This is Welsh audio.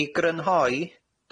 I grynhoi,